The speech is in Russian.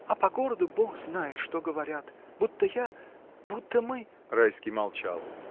А по городу бог знает что говорят. будто я. будто мы. Райский молчал.